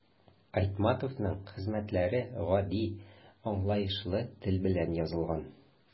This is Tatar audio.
Айтматовның хезмәтләре гади, аңлаешлы тел белән язылган.